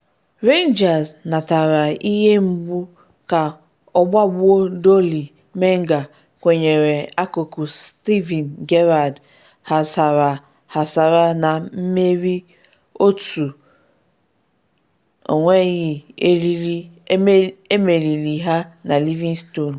Rangers natara ihe mgbu ka ọgbụgba Dolly Menga kwanyere akụkụ Steven Gerrard ghasara aghasa na mmeri 1-0 emeriri ha na Livingston.